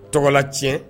Tɔgɔla tiɲɛ